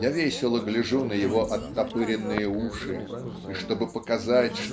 Я весело гляжу на его оттопыренные уши и чтобы показать